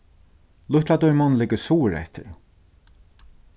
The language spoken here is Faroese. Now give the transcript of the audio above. lítla dímun liggur suðureftir